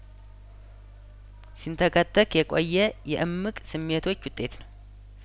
ሲን ተከተክ የቆየ የእምቅ ስሜቶች ውጤት ነው